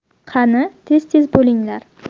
qani tez tez bo'linglar